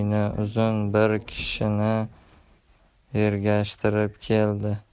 bo'yni uzun bir kishini ergashtirib keldi